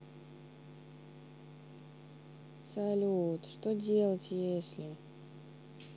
салют что делать если